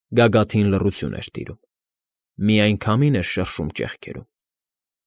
Գագաթին լռություն էր տիրում, միայն քամին էր շրշում ճեղքերում։